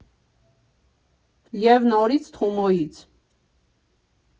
ԵՒ նորից Թումոյից։